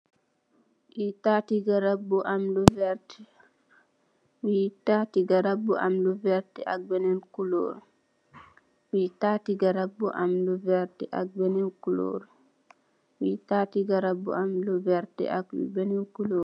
Li tatti garap bu am lu werta ak benen couleur